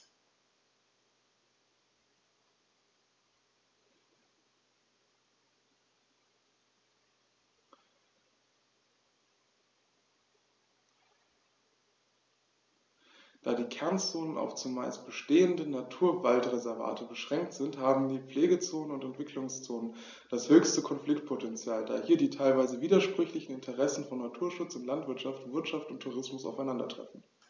Da die Kernzonen auf – zumeist bestehende – Naturwaldreservate beschränkt sind, haben die Pflegezonen und Entwicklungszonen das höchste Konfliktpotential, da hier die teilweise widersprüchlichen Interessen von Naturschutz und Landwirtschaft, Wirtschaft und Tourismus aufeinandertreffen.